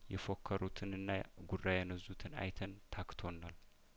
የፎከሩትንና ጉራ የነዙትን አይተን ታክቶናል